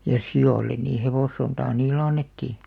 ja sioille niin hevossontaa niille annettiin